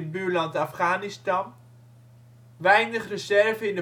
buurland Afghanistan) Weinig reserve